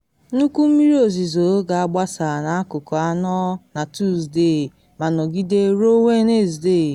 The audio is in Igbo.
Nnukwu mmiri ozizo ga-agbasa na Akụkụ Anọ na Tusde ma nọgide ruo Wenesde.